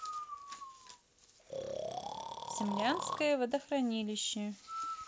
цимлянское водохранилище